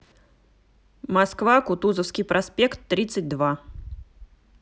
москва кутузовский проспект тридцать два